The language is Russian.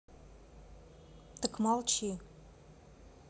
так молчи